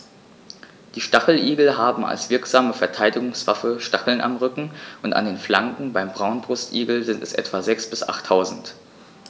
Die Stacheligel haben als wirksame Verteidigungswaffe Stacheln am Rücken und an den Flanken (beim Braunbrustigel sind es etwa sechs- bis achttausend).